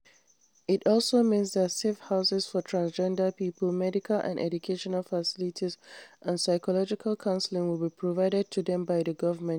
It also mentions that safe houses for transgender people, medical and educational facilities and psychological counseling will be provided to them by the government.